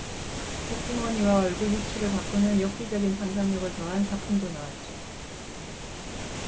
복주머니와 얼굴 위치를 바꾸는 엽기적인 상상력을 더한 작품도 나왔죠